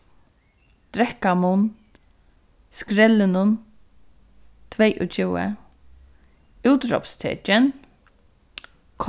drekkamunn skrellinum tveyogtjúgu útrópstekin